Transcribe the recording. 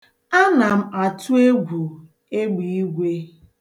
Ana m atụ egwu egbiigwe